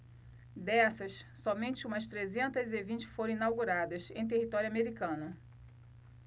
dessas somente umas trezentas e vinte foram inauguradas em território americano